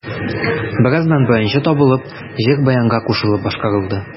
Бераздан баянчы табылып, җыр баянга кушылып башкарылды.